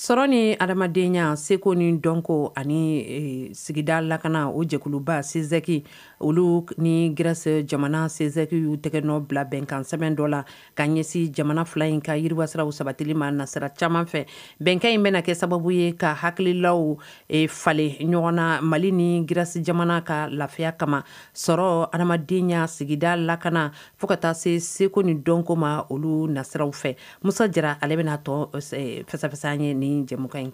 Sɔrɔ ni adamadenyaya seko ni dɔnko ani sigida lakana o jɛkuluba sensɛegin olu ni gse jamana seneki u tɛgɛ nɔ bila bɛnkansɛ dɔ la ka ɲɛsin jamana fila in ka yiribasiraraw sabatieli ma nasirara caman fɛ bɛnkɛ in bɛna kɛ sababu ye ka hakililaw falen ɲɔgɔn na mali ni gsi jamana ka lafiya kama sɔrɔ adamadamadenya sigida lakana fo ka taa se segu ni dɔnko ma olu nasiraraw fɛ mu jɛra ale bɛna'a fɛsɛsa ye nin jɛ in